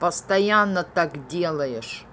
постоянно так делаешь